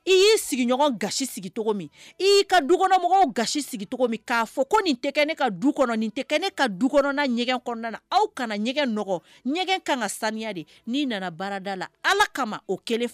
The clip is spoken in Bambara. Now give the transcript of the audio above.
Ii sigikɔnɔ sigi fɔ ne du tɛ ne dugɛn aw kanagɛn ka saniya n' nana barada la ala kama o